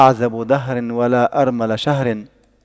أعزب دهر ولا أرمل شهر